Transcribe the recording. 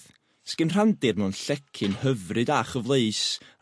...sy gin rhandir mewn llecyn hyfryd a chyfleus